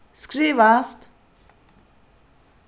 skrivast